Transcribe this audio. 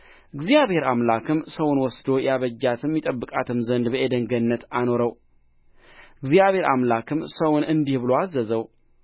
እግዚአብሔር አምላክም ሰውን ወስዶ ያበጃትም ይጠብቃትም ዘንድ በዔድን ገነት አኖረው እግዚአብሔር አምላክም ሰውን እንዲህ ብሎ አዘዘው